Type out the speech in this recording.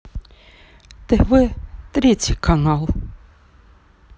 тв третий канал